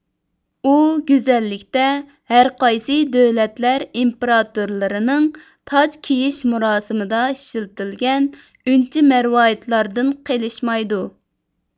ئۇ گۈزەللىكتە ھەرقايسى دۆلەتلەر ئىمپىراتورلىرىنىڭ تاج كىيىش مۇراسىمىدا ئىشلىتىلگەن ئۈنچە مەرۋايىتلاردىن قېلىشمايدۇ